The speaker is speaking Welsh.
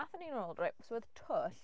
Aethon ni nôl reit, so wedd twll.